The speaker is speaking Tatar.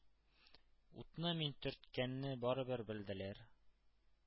Утны мин төрткәнне барыбер белделәр.